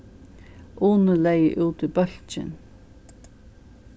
uni legði út í bólkin